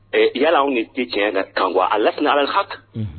Ɛ yala anw ni ci tiɲɛ na kan a lat ala ha